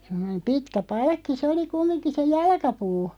semmoinen pitkä palkki se oli kumminkin se jalkapuu